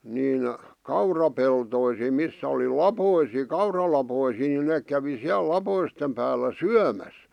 niin kaurapeltoihin missä oli laposia kauralaposia niin ne kävi siellä laposten päällä syömässä